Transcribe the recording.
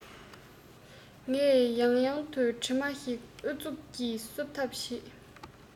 ངས ཡང ཡང དུ གྲིབ མ ཞིག ཨུ ཚུགས ཀྱིས བསུབ ཐབས བྱེད